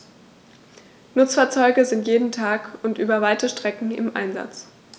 Nutzfahrzeuge sind jeden Tag und über weite Strecken im Einsatz.